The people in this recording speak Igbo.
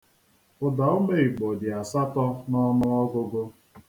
Ụdaume Igbo dị asatọ n'ọnụọgụgụ